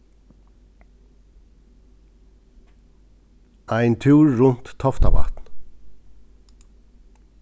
ein túr runt toftavatn